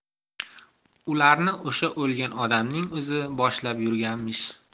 ularni o'sha o'lgan odamning o'zi boshlab yurganmish